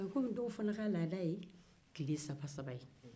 komi dɔw fana ka laada ye tile saba-saba ye